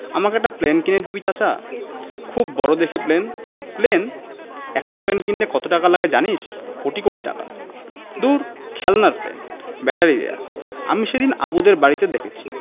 আমাকে একটা প্লেন কিনে দিবে চাচা খুব বড় দেখে প্লেন প্লেন একটা প্লেন কিনতে কত টাকা লাগে জানিস কোটি কোটি টাকা দূর খেলনার প্লেন ব্যাটারি দেয়া আমি সেদিন আবুদের বাড়িতে দেখেছি